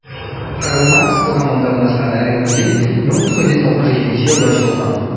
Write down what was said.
Карл Маркс урамында урнашкан әлеге музей 1967 елда ачылган.